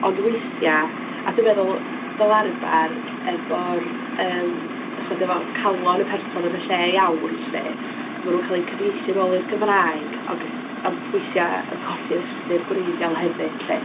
Ond weithiau, a dwi'n meddwl fel arfer, efo'r, yym dach chibod, efo calon o person yn y lle iawn 'lly, maen nhw'n cael eu cyfieithu yn ôl i'r Gymraeg, ac... ond weithia yn colli'r ystyr gwreiddiol hefyd 'lly.